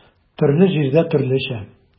Төрле җирдә төрлечә.